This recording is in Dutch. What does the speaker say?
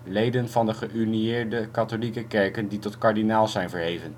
leden van de geünieerde Katholieke Kerken die tot kardinaal zijn verheven